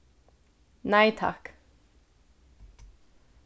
nei takk